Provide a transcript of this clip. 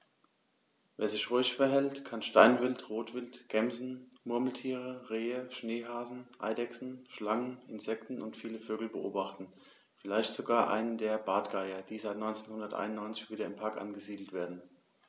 Wer sich ruhig verhält, kann Steinwild, Rotwild, Gämsen, Murmeltiere, Rehe, Schneehasen, Eidechsen, Schlangen, Insekten und viele Vögel beobachten, vielleicht sogar einen der Bartgeier, die seit 1991 wieder im Park angesiedelt werden.